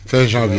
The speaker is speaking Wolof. fin janvier